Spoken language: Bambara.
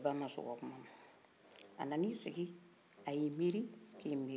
kɔrɔkɛ ba ma sɔn u ka kuma ma a nan'i sigin a ya miiri ka miiri